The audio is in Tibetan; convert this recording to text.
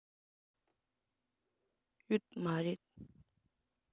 ཡོད མ རེད